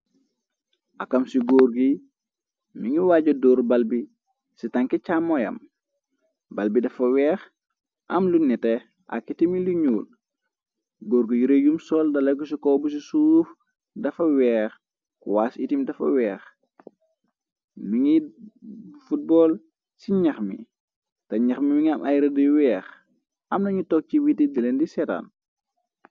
akam ci góor gi mi ngi waaja dóor bal bi ci tanki càmmooyam bal bi dafa weex am lu nete akkitimi lu ñuul góor gu y reyum sool dala ki ci ko bu ci suuf dafa weex kuwaas itim dafa weex mi ngi futbool ci ñax mi te ñax mi mi ngam ay rëduy weex amlañu tog ci witi deleen di setaan